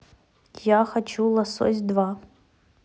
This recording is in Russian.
я хочу лосось два